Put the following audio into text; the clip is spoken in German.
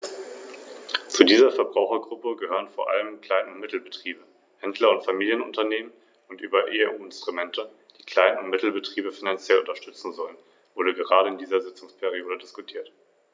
Wir müssen herausfinden, über welche Qualifikationen und Potentiale unsere Regionen im High-Tech-Sektor verfügen.